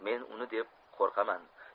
men uni deb qo'rqaman